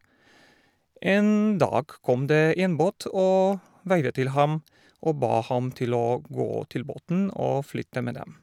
En dag kom det en båt og veivet til ham og ba ham til å gå til båten og flytte med dem.